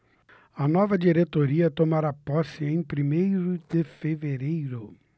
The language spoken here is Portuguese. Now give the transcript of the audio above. a nova diretoria tomará posse em primeiro de fevereiro